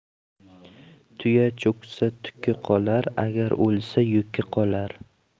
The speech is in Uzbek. tuya cho'ksa tuki qolar agar o'lsa yuki qolar